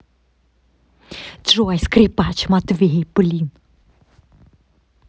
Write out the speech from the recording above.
джой скрипач матвей блин